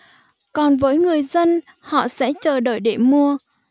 còn với người dân họ sẽ chờ đợi để mua